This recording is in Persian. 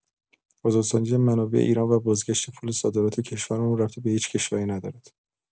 آزادسازی منابع ایران و بازگشت پول صادرات کشورمان ربطی به هیچ کشوری ندارد.